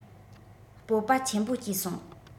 སྤོབས པ ཆེན པོ སྐྱེས སོང